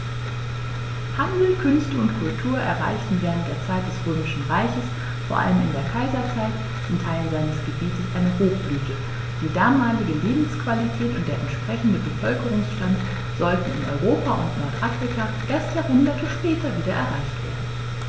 Handel, Künste und Kultur erreichten während der Zeit des Römischen Reiches, vor allem in der Kaiserzeit, in Teilen seines Gebietes eine Hochblüte, die damalige Lebensqualität und der entsprechende Bevölkerungsstand sollten in Europa und Nordafrika erst Jahrhunderte später wieder erreicht werden.